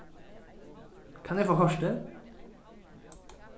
kann eg fáa kortið